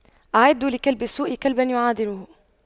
أعدّوا لكلب السوء كلبا يعادله